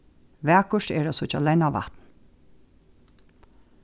vakurt er at síggja leynavatn